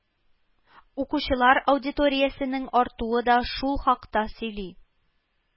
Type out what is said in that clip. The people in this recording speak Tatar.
Укучылар аудиториясенең артуы да шул хакта сөйли